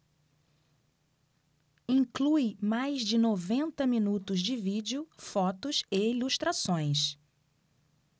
inclui mais de noventa minutos de vídeo fotos e ilustrações